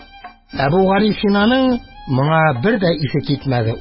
Әбүгалисинаның моңа бер дә исе китмәде.